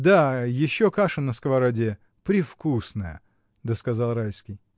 — Да, еще каша на сковороде: превкусная, — досказал Райский.